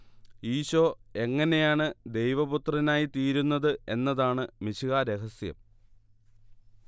ഈശോ എങ്ങനെയാണ് ദൈവപുത്രനായി തീരുന്നത് എന്നതാണ് മിശിഹാരഹസ്യം